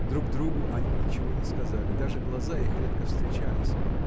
Друг другу они ничего не сказали, даже глаза их редко встречались